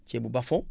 ceebu basfond